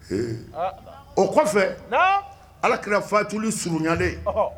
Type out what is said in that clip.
O kɔfɛ alaki fatuli surunyalen